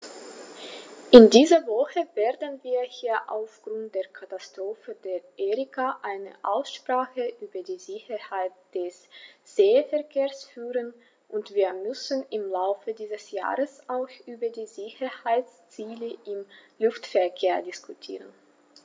In dieser Woche werden wir hier aufgrund der Katastrophe der Erika eine Aussprache über die Sicherheit des Seeverkehrs führen, und wir müssen im Laufe dieses Jahres auch über die Sicherheitsziele im Luftverkehr diskutieren.